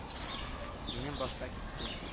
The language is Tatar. Минем башка китте